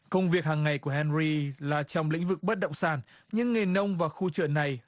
công việc hằng ngày của hen ry là trong lĩnh vực bất động sản nhưng nghề nông và khu chợ này